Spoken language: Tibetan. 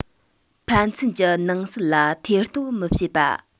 ཕན ཚུན གྱི ནང སྲིད ལ ཐེ གཏོགས མི བྱེད པ